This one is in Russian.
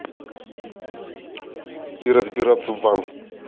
и разбираться ван